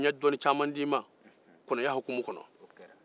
n ye dɔnni caman d'i ma kɔnɔya hukummu kɔnɔ